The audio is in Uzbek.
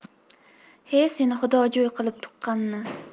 he seni xudojo'y qilib tuqqanni